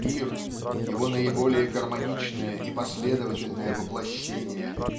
мир, его наиболее гармоничное и последовательное воплощение.